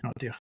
O, diolch.